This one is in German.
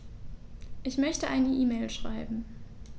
Ich möchte eine E-Mail schreiben.